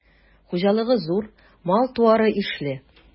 Хуҗалыгы зур, мал-туары ишле.